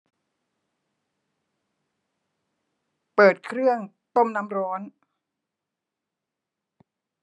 เปิดเครื่องต้มน้ำร้อน